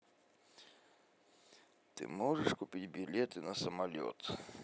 ты можешь купить билеты на самолет